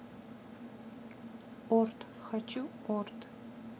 орт хочу орт